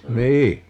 niin